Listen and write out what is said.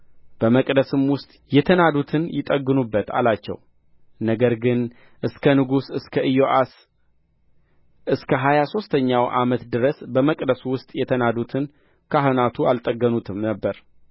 በመቅደስም ውስጥ የተናዱትን ይጠግኑበት አላቸው ነገር ግን እስከ ንጉሡ እስከ ኢዮአስ እስከ ሀያ ሦስተኛው ዓመት ድረስ በመቅደሱ ውስጥ የተናዱትን ካህናቱ አልጠገኑትም ነበር